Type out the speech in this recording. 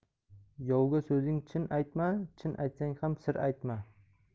yovga so'zing chin aytma chin aytsang ham sir aytma